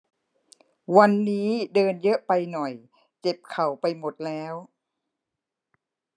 วันนี้เดินเยอะไปหน่อยเจ็บเข่าไปหมดแล้ว